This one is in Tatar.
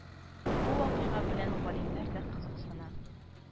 Бу вакыйга белән галимнәр дә кызыксына